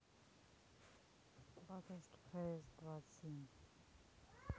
батайский проезд двадцать семь